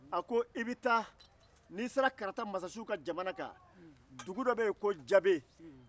a ko i bɛ taa n'i sera karata masasiw ka jamana kan dugu dɔ bɛ yen ko jabe